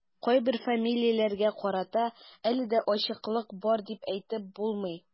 Кайбер фамилияләргә карата әле дә ачыклык бар дип әйтеп булмый.